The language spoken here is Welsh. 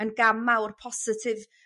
yn gam mawr positif